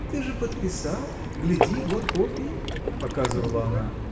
— Ты же подписал: гляди, вот копии! — показывала она.